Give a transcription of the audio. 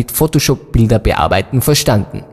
Photoshop Bilder bearbeiten “verstanden